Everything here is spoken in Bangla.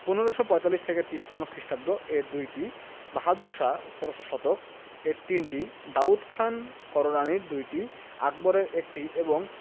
১৫৪৫ ৫৩ খ্রিটাব্দ এর দুইটি বাহাদুর শাহ ১৬শ শতক এর তিনটি দাউদ খান কররানীর দুইটি আকবর এর একটি এবং